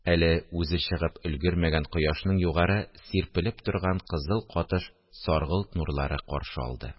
Әле үзе чыгып өлгермәгән кояшның югары сирпелеп торган кызыл катыш саргылт нурлары каршы алды